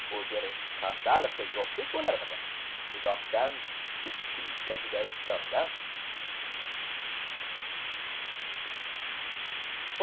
ober kandalovga yo'q deb bo'lardimi uzokdan hid bilishga juda usta odam